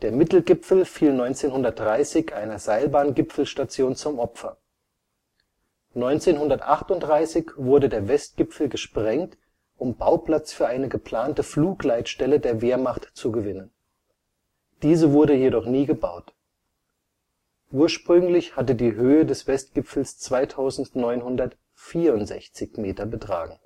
Mittelgipfel fiel 1930 einer Seilbahn-Gipfelstation zum Opfer. 1938 wurde der Westgipfel gesprengt, um Bauplatz für eine geplante Flugleitstelle der Wehrmacht zu gewinnen. Diese wurde jedoch nie gebaut. Ursprünglich hatte die Höhe des Westgipfels 2964 m betragen